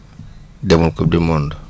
demul coupe du monde